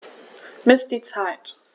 Miss die Zeit.